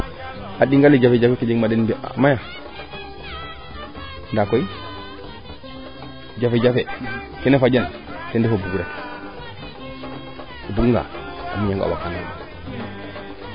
a ɗingale jafe jafe ke jeg ma teen de ndaa koy jafe jafe keena fanjan ten ref o bugo ret o buga nga a miña nga o waag